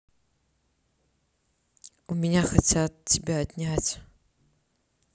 у меня хотят тебя отнять